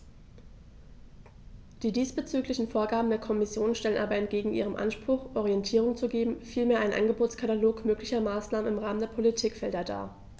Die diesbezüglichen Vorgaben der Kommission stellen aber entgegen ihrem Anspruch, Orientierung zu geben, vielmehr einen Angebotskatalog möglicher Maßnahmen im Rahmen der Politikfelder dar.